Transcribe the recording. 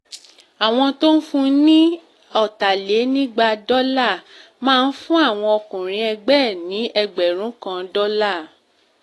Àwọn t’ọ́n fún ni 250 dọlà, máa fún àwọn ọkùnrin ẹgbẹ́ ẹ̀ ní 1000 dọ́là.